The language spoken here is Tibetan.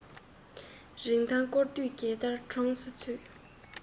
རིན ཐང སྐོར དུས བརྒྱ སྟར གྲངས སུ ཚུད